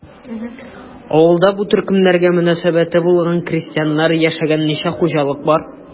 Авылда бу төркемнәргә мөнәсәбәте булган крестьяннар яшәгән ничә хуҗалык бар?